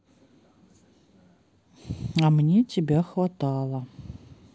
а мне тебя хватало